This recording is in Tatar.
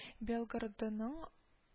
Белгородының